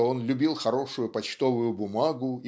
что он любил хорошую почтовую бумагу